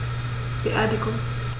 Beerdigung